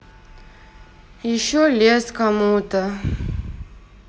еще les комуто